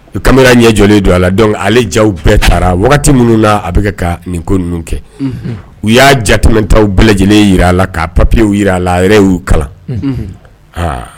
U kamalen ɲɛjɔlen don a la dɔn ale ja bɛɛ taara wagati minnu na a bɛ kɛ ka nin ko ninnu kɛ u y'a jatemɛta bɛɛ lajɛlen jira a la ka papiyew jira a la yɛrɛ y'u kalan